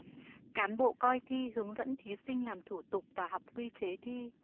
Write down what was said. cán bộ coi thi hướng dẫn thí sinh làm thủ tục và học quy chế thi